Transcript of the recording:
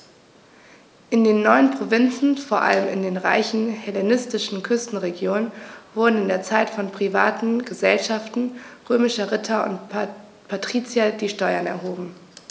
In den neuen Provinzen, vor allem in den reichen hellenistischen Küstenregionen, wurden in dieser Zeit von privaten „Gesellschaften“ römischer Ritter und Patrizier die Steuern erhoben.